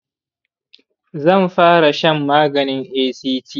zan fara shan maganin act.